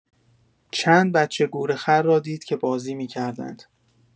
چند بچه گورخر را دید که بازی می‌کردند.